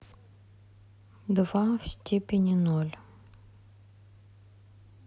два в степени ноль